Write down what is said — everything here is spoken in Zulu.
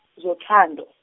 zothando.